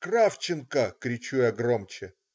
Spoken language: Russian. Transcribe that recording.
"Кравченко!" - кричу я громче.